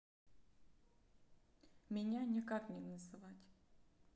меня никак не называть